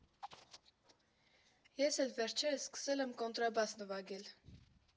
Ես էլ վերջերս սկսել եմ կոնտրաբաս նվագել։